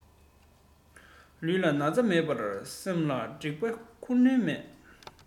ལུས ལ ན ཚ མེད པར སེམས ལ དྲེག པ ཁུར དོན མེད